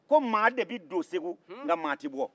ko maa de be don segou nka maa tɛ bɔ